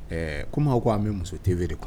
Ɛ comme aw ko a bɛ muso TV de kɔnɔ